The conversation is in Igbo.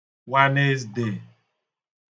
Wanezde